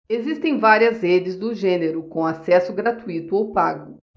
existem várias redes do gênero com acesso gratuito ou pago